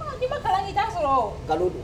I ma kalaji da sɔrɔ kalo don